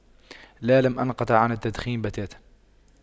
لا لم انقطع عن التدخين بتاتا